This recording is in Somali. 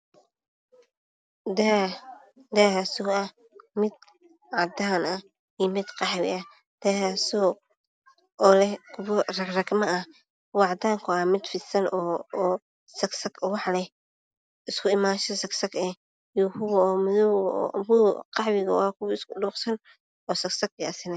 Daah daahaaso leh mid cadaan ah iyo mid qaxwi ah cadaanka waa kuwo fidsan qaxwigana waa kuwo isku dhuuqsan